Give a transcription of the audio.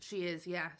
She is, yes.